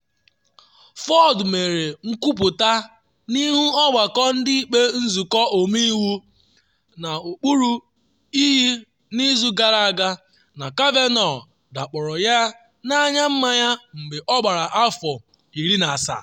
Ford mere nkwuputa n’ihu Ọgbakọ Ndị Ikpe Nzụkọ Ọmeiwu n’okpuru iyi n’izu gara aga na Kavanaugh dakporo ya n’anya mmanya mgbe ọ gbara afọ 17.